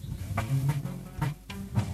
Sanunɛ yo